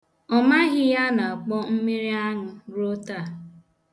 Ọ maghị ihe a na-akpọ mmiriaṅụ ruo taa.